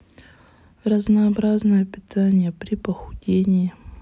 разнообразное питание при похудении